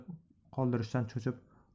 qoldirishdan cho'chib